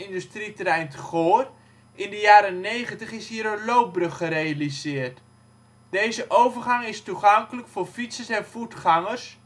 t Goor. In de jaren ' 90 is hier een loopbrug gerealiseerd. Deze overgang is toegankelijk voor fietsers en voetgangers